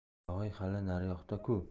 yog'iy hali naryoqda ku